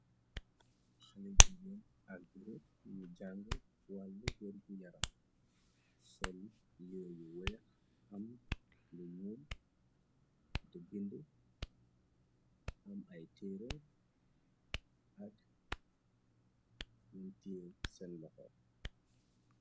Xale jigéen ak goor, ñu jànge wàlle wergu yaram, sol yire yu weex am lu ñuul, de binde, am ay teere ak luñ tiye seen loxo.